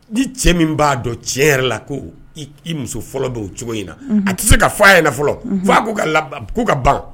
Ni cɛ min b'a dɔn tiɲɛ yɛrɛ la ko i muso fɔlɔ dɔw cogo in na a tɛ se ka fɔ a ye fa ko ko ka ban